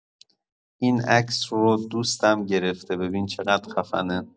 این عکس رو دوستم گرفته ببین چقد خفنه!